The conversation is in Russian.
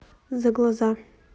за глаза